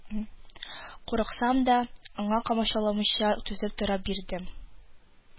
Курыксам да, аңа комачауламыйча түзеп тора бирдем